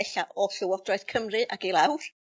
Ella o llywodraeth Cymru ac i lawr.